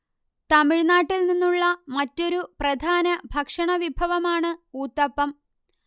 തമിഴ്നാട്ടിൽ നിന്നുള്ള മറ്റൊരു പ്രധാന ഭക്ഷണവിഭവമാണ് ഊത്തപ്പം